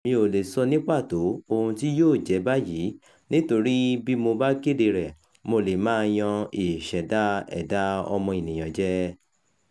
Mi ò leè sọ ní pàtó ohun tí yóò jẹ́ báyìí nítorí bí mo bá kédee rẹ̀, mo lè máa yan ìṣẹ̀dá ẹ̀dá ọmọ ènìyàn jẹ.